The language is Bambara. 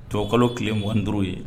Tubabukalo tile 25 ye